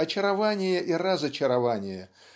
очарование и разочарование